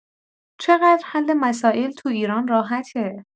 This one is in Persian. چقدر حل مسائل تو ایران راحته